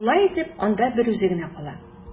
Шулай итеп, анда берүзе генә кала.